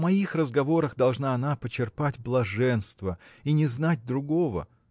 в моих разговорах должна она почерпать блаженство и не знать другого.